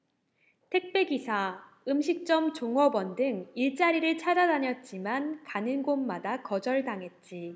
택배 기사 음식점 종업원 등 일자리를 찾아다녔지만 가는 곳마다 거절당했지